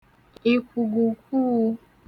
ìkwùgùkwuū